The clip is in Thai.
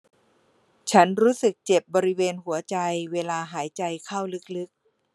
ฉันรู้สึกเจ็บบริเวณหัวใจเวลาหายใจเข้าลึกลึก